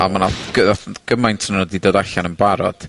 ...a ma' 'na gymaint o nw 'di dod allan yn barod.